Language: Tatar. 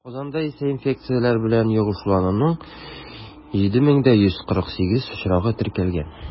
Казанда исә инфекцияләр белән йогышлануның 7148 очрагы теркәлгән.